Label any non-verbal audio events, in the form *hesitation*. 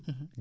*hesitation* *hesitation*